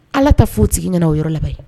Ala ta foyi ɲɛna o yɔrɔ laban ye